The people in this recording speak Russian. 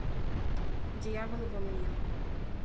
дьявол во мне